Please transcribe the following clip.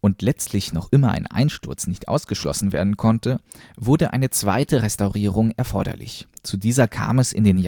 und letztlich noch immer ein Einsturz nicht ausgeschlossen werden konnte, wurde eine zweite Restaurierung erforderlich. Zu dieser kam es in den